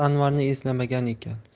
anvarni eslamagan ekan